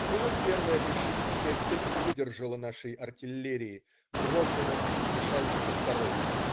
Но вот первая большевистская цепь не выдержала нашей артиллерии, дрогнула, смешалась со второй.